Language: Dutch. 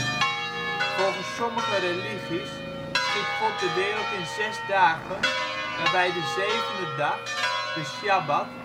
Volgens sommige religies schiep God de wereld in 6 dagen, waarbij de zevende dag (de sjabbat